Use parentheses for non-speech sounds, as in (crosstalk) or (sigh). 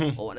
(hesitation) (hesitation)